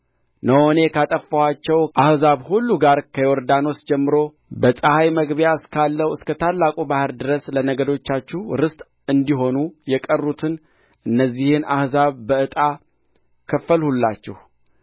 እነሆ እኔ ካጠፋኋቸው አሕዛብ ሁሉ ጋር ከዮርዳኖስ ጀምሮ በፀሐይ መግቢያ እስካለው እስከ ታላቁ ባሕር ድረስ ለነገዶቻችሁ ርስት እንዲሆኑ የቀሩትን እነዚህን አሕዛብ በዕጣ ከፈልሁላችሁ